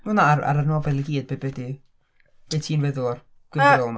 Na na ar ar y nofel i gyd, be be di... be ti'n feddwl o'r gyfrol yma?